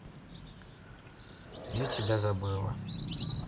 я тебя забыла